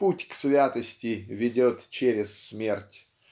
Путь к святости ведет через смерть.